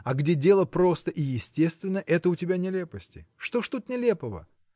а где дело просто и естественно – это у тебя нелепости. Что ж тут нелепого?